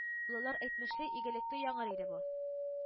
Олылар әйтмешли, игелекле яңгыр иде бу